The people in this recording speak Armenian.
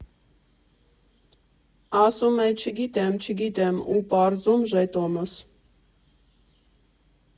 Ասում է՝ չգիտեմ, չգիտեմ ու պարզում ժետոնս։